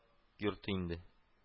Йорты инде